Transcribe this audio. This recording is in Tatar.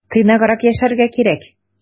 Тыйнаграк яшәргә кирәк.